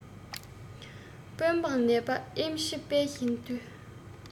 དཔོན འབངས ནད པ ཨེམ ཆིའི དཔེ བཞིན དུ